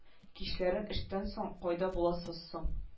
Кичләрен эштән соң кайда буласыз соң